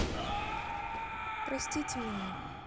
простите меня